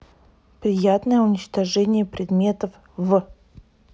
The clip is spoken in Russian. приятное уничтожение предметов в